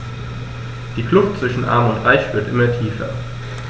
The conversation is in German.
Die Kluft zwischen Arm und Reich wird immer tiefer.